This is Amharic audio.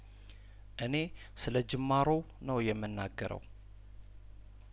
እኔ ስለ ጅማሮው ነው የምናገረው